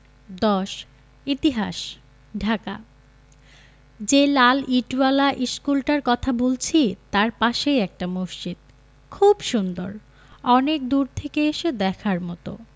১০ ইতিহাস ঢাকা যে লাল ইটোয়ালা ইশকুলটার কথা বলছি তাই পাশেই একটা মসজিদ খুব সুন্দর অনেক দূর থেকে এসে দেখার মতো